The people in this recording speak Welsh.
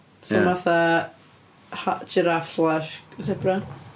So fatha h- jiráff slash sebra.